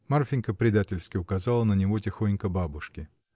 Марфинька предательски указала на него тихонько бабушке.